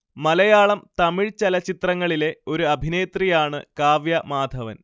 മലയാളം തമിഴ് ചലച്ചിത്രങ്ങളിലെ ഒരു അഭിനയത്രിയാണ് കാവ്യ മാധവൻ